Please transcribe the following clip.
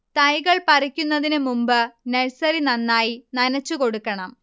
തൈകൾ പറിക്കുന്നതിന് മുമ്പ് നഴ്സറി നന്നായി നനച്ചുകൊടുക്കണം